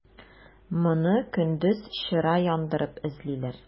Моны көндез чыра яндырып эзлиләр.